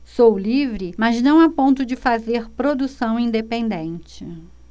sou livre mas não a ponto de fazer produção independente